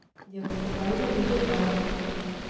девушка по имени судьба